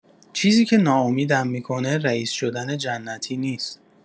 چیزی که ناامیدم می‌کنه رییس شدن جنتی نیست.